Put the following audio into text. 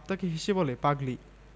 ছিলনা তারায় তারায় ছাওয়া